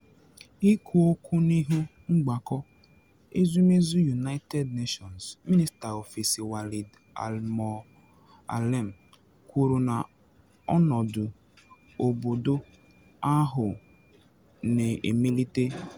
Ikwu okwu n’ihu Mgbakọ Ezumezu United Nations, minista Ofesi Walid al-Moualem kwuru na ọnọdụ n’obodo ahụ na emelite.